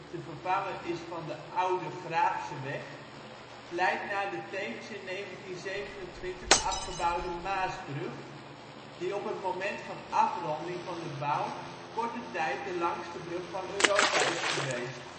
de vervanger is van de oude " Graafsche weg ", leidt naar de tevens in 1927 afgebouwde Maasbrug, die op het moment van afronding van de bouw korte tijd de langste brug van Europa is geweest